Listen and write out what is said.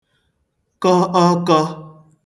kọ̀ (ọkọ̄)